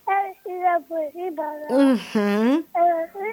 A' sera fo i ba